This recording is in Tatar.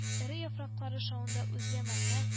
Эре яфраклары шавында үзгә мәгънә